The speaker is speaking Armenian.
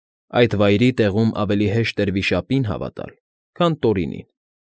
Այդ վայրի տեղում ավելի հեշտ էր վիշապին հավատալ, քան Տորինին։